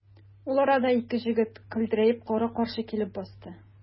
Ул арада ике җегет көдрәеп кара-каршы килеп басты.